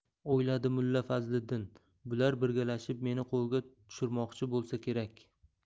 o'yladi mulla fazliddin bular birgalashib meni qo'lga tushurmoqchi bo'lsa kerak